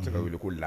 U bɛ wele la